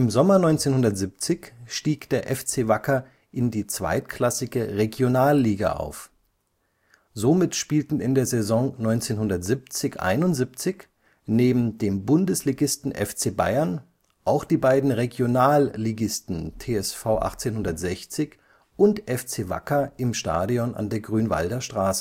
Sommer 1970 stieg der FC Wacker in die zweitklassige Regionalliga auf. Somit spielten in der Saison 1970 / 71 neben dem Bundesligisten FC Bayern auch die beiden Regionalligisten TSV 1860 und FC Wacker im Stadion an der Grünwalder Straße